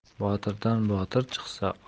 botirdan botir chiqsa